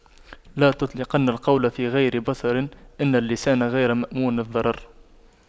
لا تطلقن القول في غير بصر إن اللسان غير مأمون الضرر